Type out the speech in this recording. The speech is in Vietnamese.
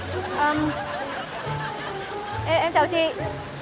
ờm e em chào chị